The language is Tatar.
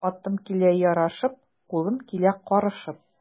Атым килә ярашып, кулым килә карышып.